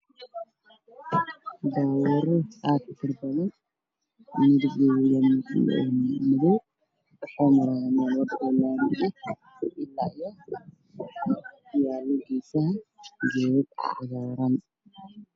Waa waddo ay marayaan gaarayaal ciidan oo wax dan yar ahaan aada muddo isu geliyaan waddada geesiheeda waa yara cagaar